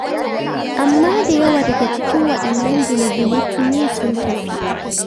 Amma da yawa daga cikin waɗannan gine-gine tuni sun tafi.